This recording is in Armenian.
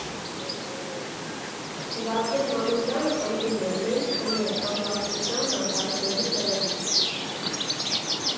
Վազգեն Մանուկյանը պնդում է՝ մենք չունենք անկախությանը հասնելու ծրագիր։